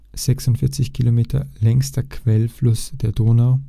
46 km), längster Quellfluss der Donau